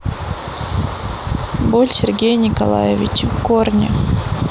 боль сергея николаевича корни